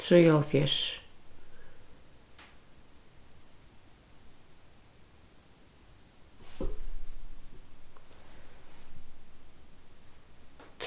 trýoghálvfjerðs